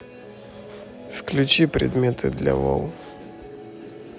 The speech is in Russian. включи предметы для лол